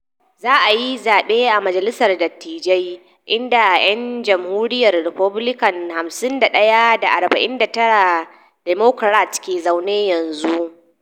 Za ayi zabe a majalisar dattijai, inda 'yan Jamhuriyar Republican 51 da 49 Democrats ke zaune yanzu.